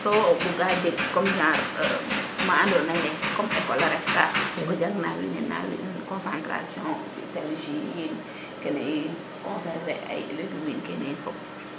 so wo buga jeg comme genre comme ka ando naye comme école a refka a jang na wiin we nam concentration fi tel jus yin kene yin conserver ay legume min kene yiin